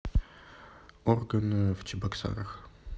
орган в чебоксарах